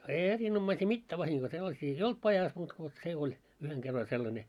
ei erinomaisia mitään vahinkoja sellaisia ei ollut pajassa muuta kuin se oli yhden kerran oli sellainen